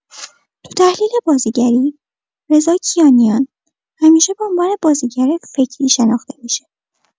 تو تحلیل بازیگری، رضا کیانیان همیشه به عنوان بازیگر فکری شناخته می‌شه.